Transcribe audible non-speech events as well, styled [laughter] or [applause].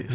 [hesitation] [hesitation]